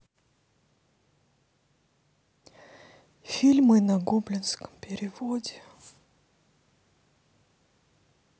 фильмы на гоблинском переводе